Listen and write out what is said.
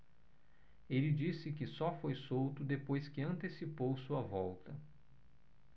ele disse que só foi solto depois que antecipou sua volta